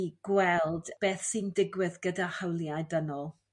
i gweld beth sy'n digwydd gyda hawliau dynol